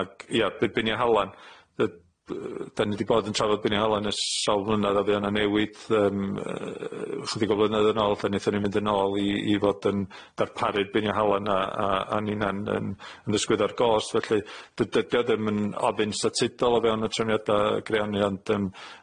Ag ia by- binia' halan yy yy 'dan ni 'di bod yn trafod binia' halan ers sawl mlynedd a fuo' 'na newid yym yy yy chydig o flynyddoedd yn ôl lle 'naethon ni mynd yn ôl i i fod yn darparu binia' halan a a a ninna'n yn yn ysgwyddo'r gôst felly dy- dydi o ddim yn ofyn statudol o fewn y trefnaida greanu ond ym